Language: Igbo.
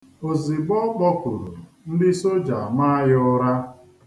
Ozigbo ọ kpọkwuru ndị soja amaa ya ụra.